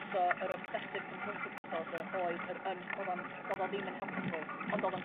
So yr obsessive compulsive disorder oedd yr yn... Odd o'n do'dd o ddim yn helpful ond odd o' n